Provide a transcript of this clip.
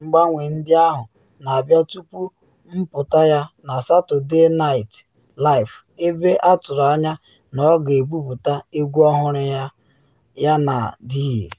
Mgbanwe ndị ahụ na abịa tupu mpụta ya na Saturday Night Live, ebe atụrụ anya na ọ ga-ebupụta egwu ọhụrụ ya Yandhi.